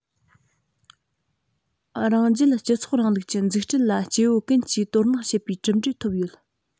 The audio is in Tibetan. རང རྒྱལ སྤྱི ཚོགས རིང ལུགས ཀྱི འཛུགས སྐྲུན ལ སྐྱེ བོ ཀུན གྱིས དོ སྣང བྱེད པའི གྲུབ འབྲས ཐོབ ཡོད